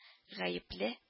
Гаепле